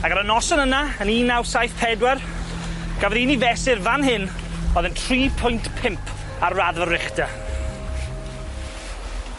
ac ar y noson yna, yn un naw saith pedwar, gafodd un 'i fesur fan hyn, o'dd yn tri pwynt pump ar raddfa'r Richta.